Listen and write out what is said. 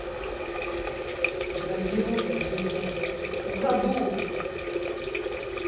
заберу заберу украду